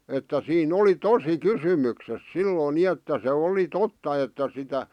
että siinä oli tosi kysymyksessä silloin niin että se oli totta että sitä